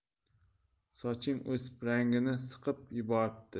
soching o'sib rangingni siqib yuboribdi